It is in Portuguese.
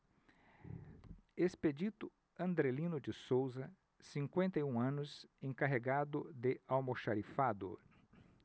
expedito andrelino de souza cinquenta e um anos encarregado de almoxarifado